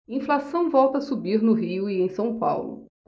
inflação volta a subir no rio e em são paulo